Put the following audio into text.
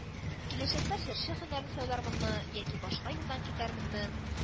– киләчәктә җырчы һөнәрен сайлармынмы яки башка юлдан китәрменме